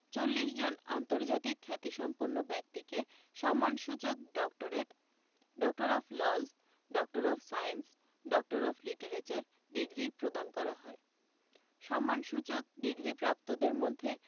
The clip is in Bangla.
৪০ জন আন্তর্জাতিক খ্যাতিসম্পন্ন ব্যক্তিকে সম্মানসূচক doctorate doctor of laws doctor of science doctor of literature degree প্রদান করা হয় সম্মানসূচক ডিগ্রিপ্রাপ্তদের মধ্যে